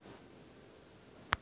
фильмы с нагиевым